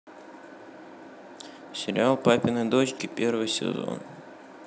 сериал папины дочки первый сезон